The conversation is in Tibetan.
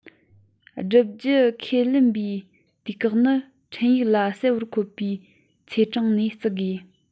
བསྒྲུབ རྒྱུ ཁས ལེན པའི དུས བཀག ནི འཕྲིན ཡིག ལ གསལ པོར འཁོད པའི ཚེས གྲངས ནས བརྩི རྒྱུ